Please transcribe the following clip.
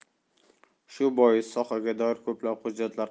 shu bois sohaga doir ko'plab hujjatlar